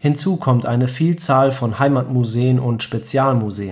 Hinzu kommt eine Vielzahl von Heimatmuseen und Spezialmuseen